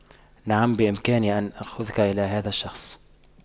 نعم بإمكاني أن آخذك إلى هذا الشخص